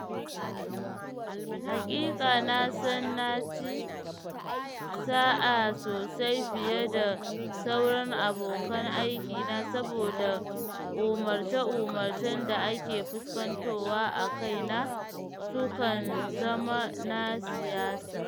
Haƙiƙa, na san na ti sa’a sosai fiye da sauran abokan aikina saboda umarce-umarce da ake fuskantowa a kaina sukan zama na siyasa.